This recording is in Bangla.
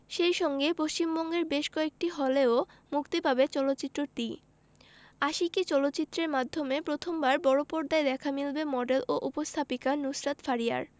সেই সঙ্গে পশ্চিমবঙ্গের বেশ কয়েকটি হলেও মুক্তি পাবে চলচ্চিত্রটি আশিকী চলচ্চিত্রের মাধ্যমে প্রথমবার বড়পর্দায় দেখা মিলবে মডেল ও উপস্থাপিকা নুসরাত ফারিয়ার